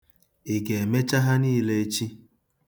Ị ga-emecha ha niile echi?